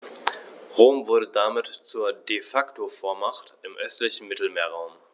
Rom wurde damit zur ‚De-Facto-Vormacht‘ im östlichen Mittelmeerraum.